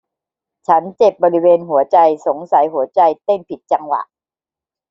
ฉันเจ็บบริเวณหัวใจสงสัยหัวใจเต้นผิดจังหวะ